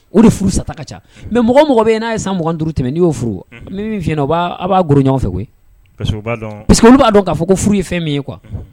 O de furu sata ka ca mɛ mɔgɔ mɔgɔ bɛ yen n'a ye san mɔgɔnuru tɛmɛ n' y'o furu min b'a ɲɔgɔn fɛ parce que b'a dɔn k'a fɔ ko furu ye fɛn min ye kuwa